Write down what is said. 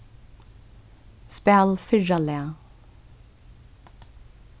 spæl fyrra lag